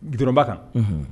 Bi dɔrɔnba kan